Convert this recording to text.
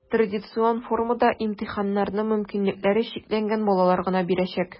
Традицион формада имтиханнарны мөмкинлекләре чикләнгән балалар гына бирәчәк.